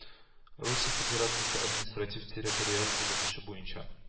Русия Федерациясе административ-территориаль бүленеше буенча